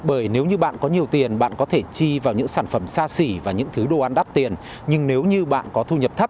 bởi nếu như bạn có nhiều tiền bạn có thể chi vào những sản phẩm xa xỉ và những thứ đồ ăn đắt tiền nhưng nếu như bạn có thu nhập thấp